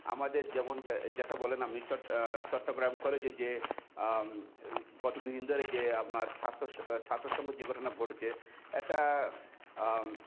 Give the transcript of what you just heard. আমাদের যেমন যেটা বললেন চট্টগ্রাম কলেজে যে গত দুইদিন ধরে যে আপনার ছাত্র সংঘর্ষের যে ঘটনা ঘটেছে একটা